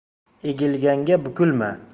egilganga bukilma